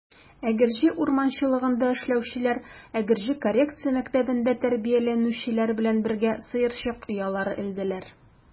Әгерҗе урманчылыгында эшләүчеләр Әгерҗе коррекция мәктәбендә тәрбияләнүчеләр белән бергә сыерчык оялары элделәр.